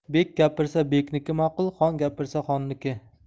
bek gapirsa bekniki ma'qul xon gapirsa xonniki